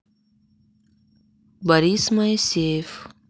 борис моисеев